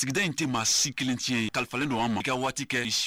Sigida in tɛ maa si kelen tiɲɛ ye kalifalen don a ma kɛ waati kɛ si